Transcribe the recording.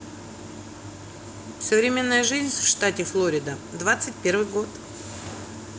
современная жизнь в штате флорида двадцать первый год